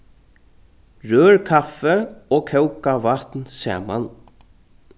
rør kaffi og kókað vatn saman